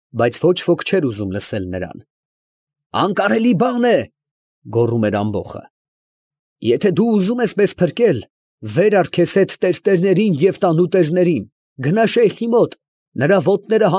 Բայց ոչ ոք չէր ուզում լսել նրան։ ֊ «Անկարելի բան է, ֊ գոռում էր ամբոխը, ֊ եթե դու ուզում ես մեզ փրկել, վեր առ քեզ հետ տերտերներին և տանուտերներին, գնա՛ շեյխի մոտ, նրա ոտները։